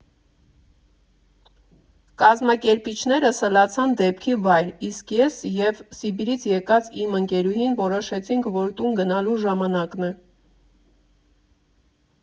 Կազմակերպիչները սլացան դեպքի վայր, իսկ ես և Սիբիրից եկած իմ ընկերուհին որոշեցինք, որ տուն գնալու ժամանակն է։